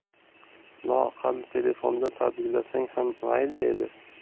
loaqal telefonda tabriklasang ham mayli edi